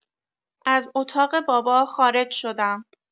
از اتاق بابا خارج شدم.